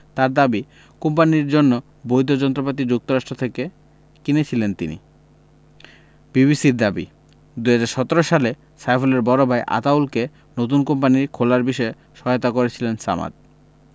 তাঁর দাবি কোম্পানির জন্য বৈধ যন্ত্রপাতি যুক্তরাষ্ট থেকে কিনেছিলেন তিনি বিবিসির দাবি ২০১৭ সালে সাইফুলের বড় ভাই আতাউলকে নতুন কোম্পানি খোলার বিষয়ে সহায়তা করেছিলেন সামাদ